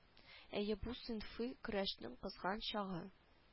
Әйе бу - сыйнфый көрәшнең кызган чагы